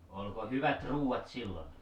oliko hyvät ruuat silloin